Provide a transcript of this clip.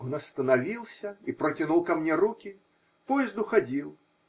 Он остановился и протянул ко мне руки поезд уходил